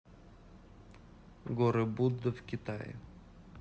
горы будда в китае